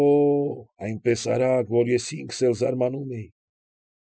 Օ՜օ, այնպես արագ, որ ես ինքս էլ զարմանում էի։